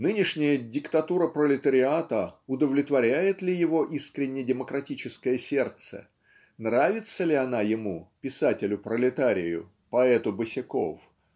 Нынешняя диктатура пролетариата удовлетворяет ли его искренне демократическое сердце нравится ли она ему писателю-пролетарию поэту босяков